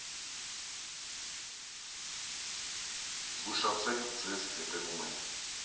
Զգուշացե՛ք, ձեզ հետևում են։